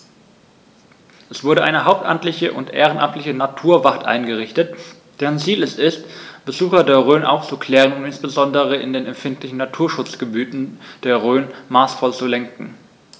Es wurde eine hauptamtliche und ehrenamtliche Naturwacht eingerichtet, deren Ziel es ist, Besucher der Rhön aufzuklären und insbesondere in den empfindlichen Naturschutzgebieten der Rhön maßvoll zu lenken.